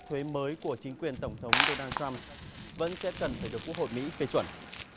thuế mới của chính quyền tổng thống đô nan trăm vẫn sẽ cần phải được quốc hội mỹ phê chuẩn